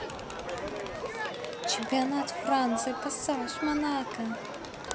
чемпионат франции пассаж монако